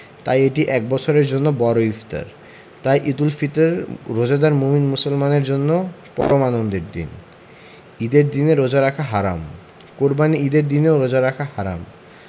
তাই এটি এক বছরের জন্য বড় ইফতার তাই ঈদুল ফিতর রোজাদার মোমিন মুসলিমের জন্য পরম আনন্দের দিন ঈদের দিনে রোজা রাখা হারাম কোরবানির ঈদের দিনেও রোজা রাখা হারাম